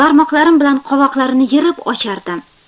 barmoqlarim bilan qovoqlarini yirib ochardim